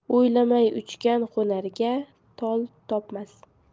o'ylamay uchgan qo'narga tol topmas